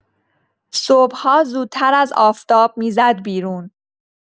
صبح‌ها زودتر از آفتاب می‌زد بیرون.